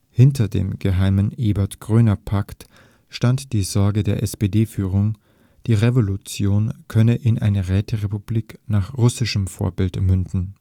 Hinter dem geheimen Ebert-Groener-Pakt stand die Sorge der SPD-Führung, die Revolution könne in eine Räterepublik nach russischem Vorbild münden